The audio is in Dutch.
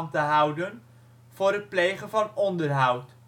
te houden voor het plegen van onderhoud